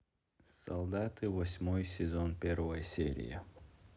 солдаты восьмой сезон первая серия